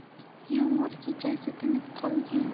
yomg'ir kechasi tinib qolgan